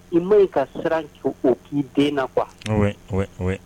I ma in ka siran o k'i den na kuwa